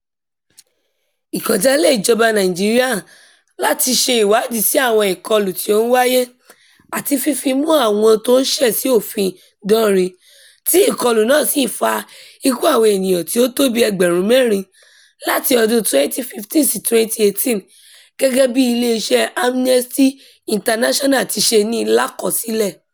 Ìkọ̀jálẹ́ ìjọba Nàìjíríà láti ṣe ìwádìí sí àwọn ìkọlù tí ó ń wáyé àti "fífimú àwọn tí ó ṣẹ̀ sófin dánrin", tí ìkọlù náà sì fa ikú àwọn ènìyàn tí ó tó bíi ẹgbẹ̀rún 4 láti ọdún-un 2015 sí 2018, gẹ́gẹ́ bí iléeṣẹ́ Amnesty International ti ṣe ní i lákọsílẹ̀.